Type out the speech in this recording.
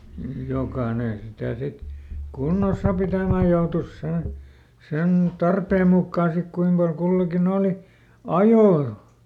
jokainen sitä sitten kunnossa pitämään joutui sen sen tarpeen mukaan sitten kuinka paljon kullakin oli ajoa